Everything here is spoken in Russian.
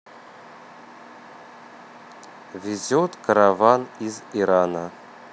везет караван из ирана